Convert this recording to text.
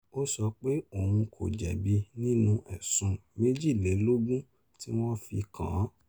Ó sọ pé òun kò jẹ̀bi nínú ẹ̀sùn méjìlélógún tí wọ́n fi kàn án.